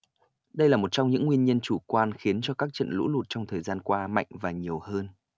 đây là một trong những nguyên nhân chủ quan khiến cho các trận lũ lụt trong thời gian qua mạnh và nhiều hơn